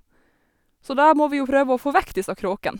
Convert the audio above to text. Så da må vi jo prøve å få vekk disse kråkene.